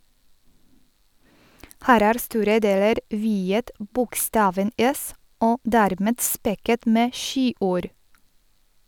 Her er store deler viet bokstaven s - og dermed spekket med skiord.